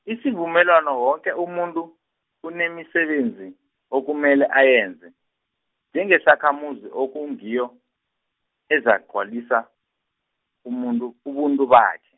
isivumelwano woke umuntu, unemisebenzi, okumele ayenze, njengesakhamuzi, okungiyo, ezagcwalisa, umuntu, ubuntu bakhe.